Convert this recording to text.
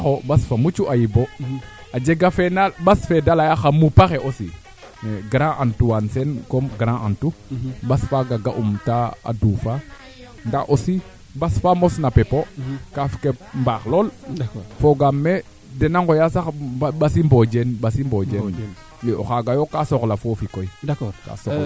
ndaa koy a poor duufe anaa faafa te leyne i ndaa ndiige a ceem a naambao te leyne ndaa leya ndigil ndigo mata naamb i ndaa de a ɓasife wo jom anda xam de ndaa Djiby o kooro xa mbur'a ba'es yaam mbasfaa a faax a lool a naat lool a sulit ndaa foor ee